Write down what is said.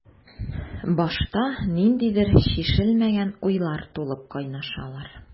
Башта ниндидер чишелмәгән уйлар тулып кайнашалар.